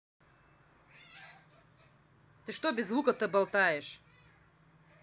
ты что без звука ты болтаешь